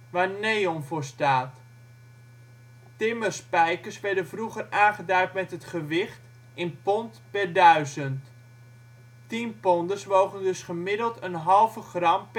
waar Neon voor staat. Timmerspijkers werden vroeger aangeduid met het gewicht (in pond) per duizend. Tienponders wogen dus gemiddeld een halve gram